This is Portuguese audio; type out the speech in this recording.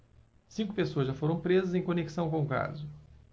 cinco pessoas já foram presas em conexão com o caso